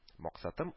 Максатым